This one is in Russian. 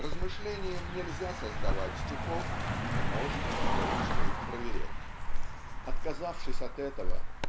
Размышлением нельзя создавать стихов, но можно и должно их проверять. Отказавшись от этого